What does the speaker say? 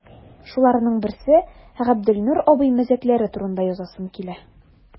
Шуларның берсе – Габделнур абый мәзәкләре турында язасым килә.